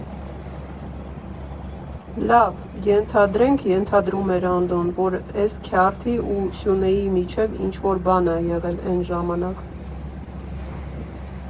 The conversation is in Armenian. «Լավ, ենթադրենք, ֊ ենթադրում էր Անդոն, ֊ որ էս քյառթի ու Սյունեի միջև ինչ֊որ բան ա եղել էն ժամանակ։